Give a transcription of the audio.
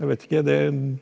jeg vet ikke det.